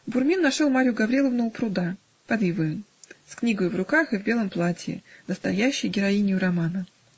Бурмин нашел Марью Гавриловну у пруда, под ивою, с книгою в руках и в белом платье, настоящей героинею романа.